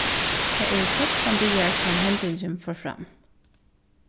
tað eru sekstan dagar síðani hendingin fór fram